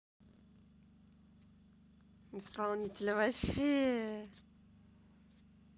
исполнитель ваще